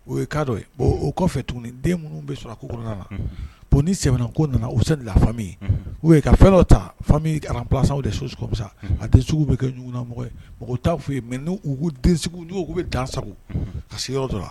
O ye kadɔ ye bon o kɔfɛ tuguni den minnu bɛ sɔrɔ ko kɔnɔna na p ni sɛ ko nana u se fami u ye ka fɛn dɔ ta fa aralasaw de so fisa a tɛ bɛ kɛmɔgɔ mɔgɔ t' f' ye mɛ den bɛ dansa ka sigiyɔrɔ dɔ